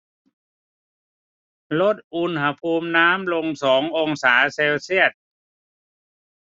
ลดอุณหภูมิน้ำลงสององศาเซลเซียส